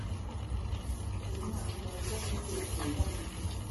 ผิวหนังเหมือนจะเป็นจุดสีดำ